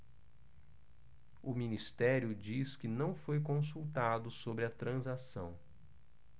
o ministério diz que não foi consultado sobre a transação